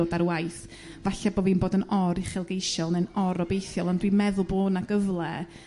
dod ar waith falle bo' fi'n bod yn or uchelgeisiol yn orobeithiol ond dwi'n meddwl bo' 'na gyfle